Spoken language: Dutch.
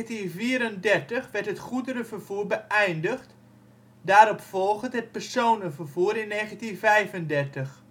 In 1934 werd het goederenvervoer beëindigd, daaropvolgend het personenvervoer in